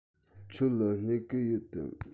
ཁྱོད ལ སྨྱུ གུ ཡོད དམ